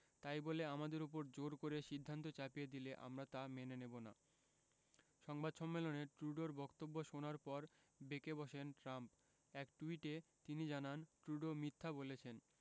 তাই বলে আমাদের ওপর জোর করে সিদ্ধান্ত চাপিয়ে দিলে আমরা তা মেনে নেব না সংবাদ সম্মেলনে ট্রুডোর বক্তব্য শোনার পর বেঁকে বসেন ট্রাম্প এক টুইটে তিনি জানান ট্রুডো মিথ্যা বলেছেন